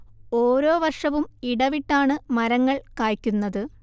ഓരോ വർഷവും ഇടവിട്ടാണ് മരങ്ങൾ കായ്ക്കുന്നത്